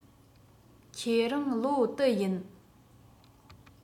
ཁྱེད རང ལོ དུ ཡིན